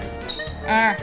à